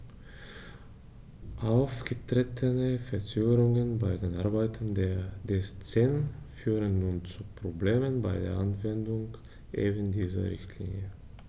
Aufgetretene Verzögerungen bei den Arbeiten des CEN führen nun zu Problemen bei der Anwendung eben dieser Richtlinie.